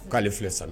K'ale filɛ sa